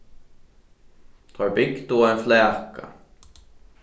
teir bygdu ein flaka